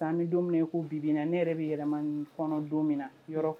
San ni dumuni ko bibina ne yɛrɛ bɛ yɛlɛ kɔnɔ don min na